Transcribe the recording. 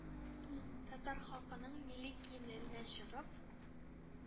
Татар халкының милли киемнәреннән чыгып,